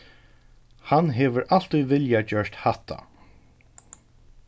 hann hevur altíð viljað gjørt hatta